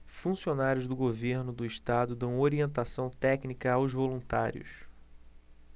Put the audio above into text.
funcionários do governo do estado dão orientação técnica aos voluntários